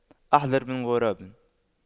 أحذر من غراب